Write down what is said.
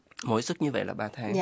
mỗi suất như dậy là ba tháng